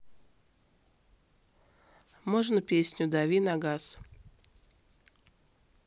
можно песню дави на газ